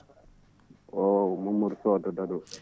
o ko Mamadou Sow to Dado